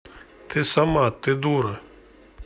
ты сама ты дура